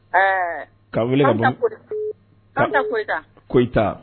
Ɛɛ, k'an weele ka bɔ min? Fata Koyita, Koyita?